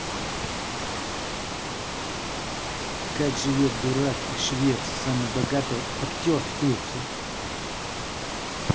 как живет дурак и швец самый богатый актер в турции